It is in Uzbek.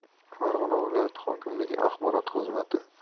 farg'ona viloyati hokimligi axborot xizmati